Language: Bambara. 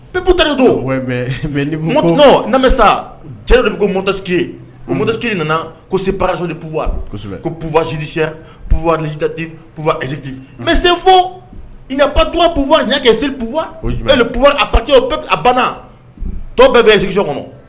Pptali don sa cɛ dɔ bɛ ko motasi mɔtti nana ko se pasoliuwa ko pffasisi pffatizti n mɛ se fotu pu ɲɛ kɛ se pati opi a banna tɔ bɛɛ bɛ esi kɔnɔ